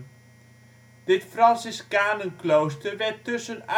franciscanenklooster werd tussen